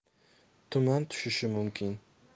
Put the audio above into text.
tuman tushishi mumkin